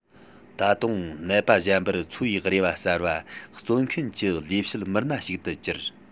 ད དུང ནད པ གཞན པར འཚོ བའི རེ བ གསར བ སྩོལ མཁན གྱི ལས བྱེད མི སྣ ཞིག ཏུ གྱུར